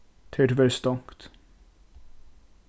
tað er tíverri stongt